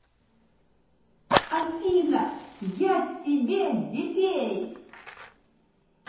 афина я тебе детей